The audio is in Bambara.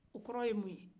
o kɔrɔ ye mun ye